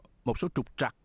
một số trục trặc